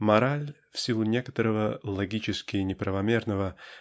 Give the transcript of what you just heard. --мораль--в силу некоторого логически неправомерного